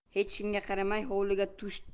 hech kimga qaramay hovliga tushd